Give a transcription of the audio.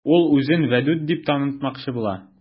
Ул үзен Вәдүт дип танытмакчы була.